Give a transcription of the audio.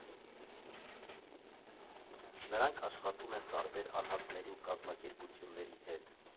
Նրանք աշխատում են տարբեր անհատների ու կազմակերպությունների հետ։